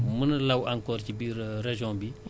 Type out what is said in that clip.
sàmmkat yi ba information bi war